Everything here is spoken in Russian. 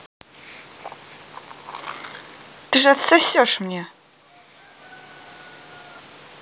ты же отсосешь мне